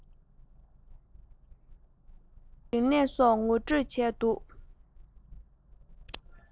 རི ཁྲོད དུ སྤྱང ཀི དང དོམ གཟིག